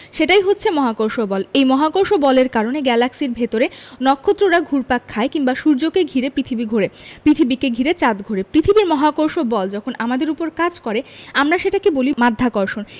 সেটাই হচ্ছে মহাকর্ষ বল এই মহাকর্ষ বলের কারণে গ্যালাক্সির ভেতরে নক্ষত্ররা ঘুরপাক খায় কিংবা সূর্যকে ঘিরে পৃথিবী ঘোরে পৃথিবীকে ঘিরে চাঁদ ঘোরে পৃথিবীর মহাকর্ষ বল যখন আমাদের ওপর কাজ করে আমরা সেটাকে বলি মাধ্যাকর্ষণ